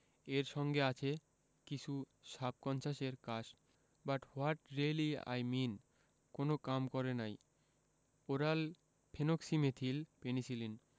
এর সঙ্গে আছে কিছু সাবকন্সাসের কাশ but what really I mean কোন কাম করে নাই ওরাল ফেনোক্সিমেথিল পেনিসিলিন